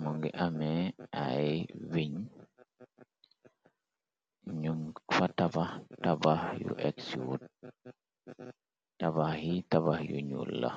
mu ngi amee ay wiñ, ñu f xxu x tabax yi tabax yu ñul la.